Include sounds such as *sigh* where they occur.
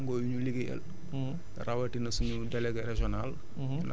et en même temps tamit di sant *hesitation* suñu naataangoo yu ñu liggéeyal